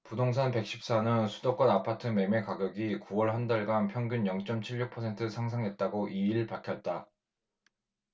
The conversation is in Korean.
부동산 백 십 사 는 수도권 아파트 매매가격이 구 월 한달간 평균 영 쩜 칠 육 퍼센트 상승했다고 이 일 밝혔다